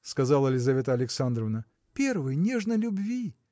– сказала Лизавета Александровна, – первой, нежной любви.